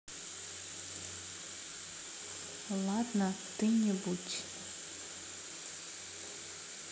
ладно ты не будь